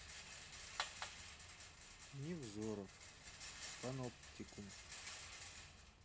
невзоров паноптикум